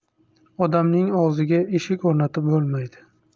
odamning og'ziga eshik o'rnatib bo'lmaydi